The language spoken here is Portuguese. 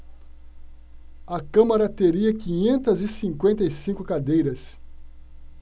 a câmara teria quinhentas e cinquenta e cinco cadeiras